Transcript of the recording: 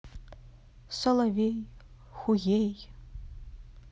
соловей хуей